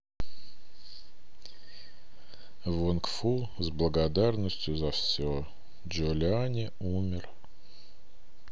вонг фу с благодарностью за все джулиани умер